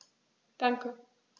Danke.